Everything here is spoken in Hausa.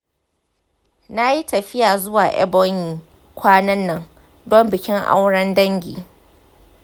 na yi tafiya zuwa ebonyi kwanan nan don bikin auren dangi.